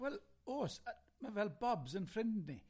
Wel, o's, yy, mae fel Bobs 'yn ffrind ni.